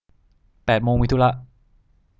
แปดโมงมีธุระ